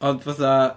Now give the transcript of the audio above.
Ond fatha...